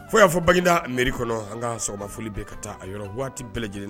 Fo y'a fɔ bangda miiri kɔnɔ an ka sɔgɔma foli bɛ ka taa a yɔrɔ waati bɛɛ lajɛlen